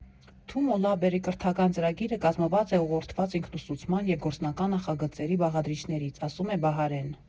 «Թումո լաբերի կրթական ծրագիրը կազմված է ուղղորդված ինքնուսուցման և գործնական նախագծերի բաղադրիչներից», ֊ ասում է Բահարեն։